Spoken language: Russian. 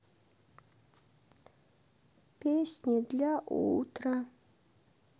песни для утра